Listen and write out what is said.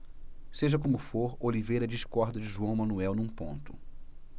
seja como for oliveira discorda de joão manuel num ponto